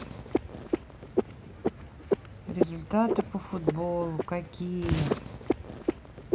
результаты по футболу какие